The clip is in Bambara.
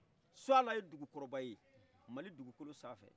suala ye dugu kɔrɔbaye mali dugukolo sanfɛ